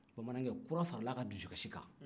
bamanankɛ kura faral'a ka dusukasi kan